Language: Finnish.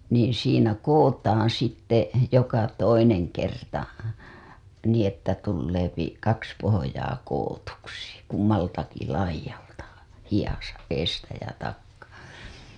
niin siinä kudotaan sitten joka toinen kerta niin että tulee kaksi pohjaa kudotuksi kummaltakin laidalta hihassa edestä ja takaa